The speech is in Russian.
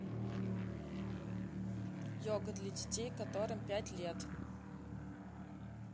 йога для детей которым пять лет